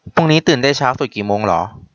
พรุ่งนี้ตื่นได้ช้าสุดกี่โมงเหรอ